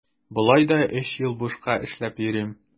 Болай да өч ел буе бушка эшләп йөрим.